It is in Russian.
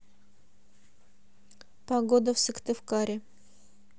погода в сыктывкаре